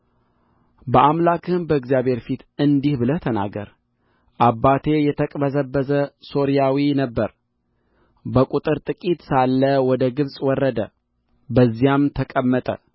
በአምላክህም በእግዚአብሔር ፊት እንዲህ ብለህ ተናገር አባቴ የተቅበዘበዘ ሶርያዊ ነበረ በቍጥር ጥቂት ሳለ ወደ ግብፅ ወረደ በዚያም ተቀመጠ